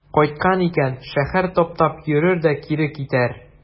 Кайткан икән, шәһәр таптап йөрер дә кире китәр.